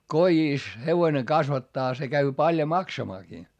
kodissa hevonen kasvattaa se käy paljon maksamaankin